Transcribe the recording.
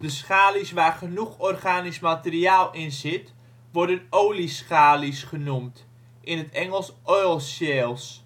schalies waar genoeg organisch materiaal in zit, worden olieschalies (Engelse term: oil shales